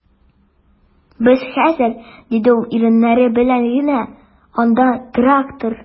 Без хәзер, - диде ул иреннәре белән генә, - анда трактор...